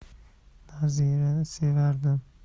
nazirani sevardim